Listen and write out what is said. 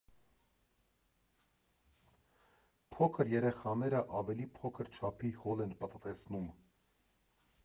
Փոքր երեխաները ավելի փոքր չափի հոլ են պտտեցնում։